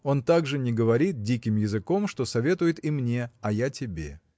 Он также не говорит диким языком, что советует и мне, а я тебе.